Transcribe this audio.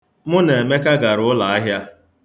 Mụ na Emeka gara ụlọahịa.